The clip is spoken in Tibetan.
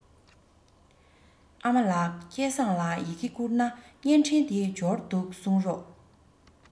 ཨ མ ལགས སྐལ བཟང ལ ཡི གེ བསྐུར ན བརྙན འཕྲིན དེ འབྱོར འདུག གསུངས རོགས